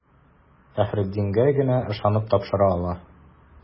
Фәхреддингә генә ышанып тапшыра ала.